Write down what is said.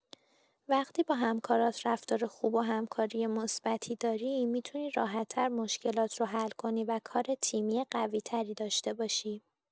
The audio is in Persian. وقتی با همکارات رفتار خوب و همکاری مثبتی داری، می‌تونی راحت‌تر مشکلات رو حل کنی و کار تیمی قوی‌تری داشته باشی.